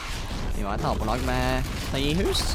Vi var et nabolag med tre hus.